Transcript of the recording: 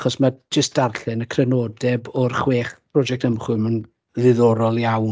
achos ma' jyst darllen y crynodeb o'r chwech prosiect ymchwil ma'n ddiddorol iawn